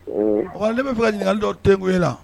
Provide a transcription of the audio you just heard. Ɔ ne b bɛ fɛ ka ɲininka dɔ tɛg in na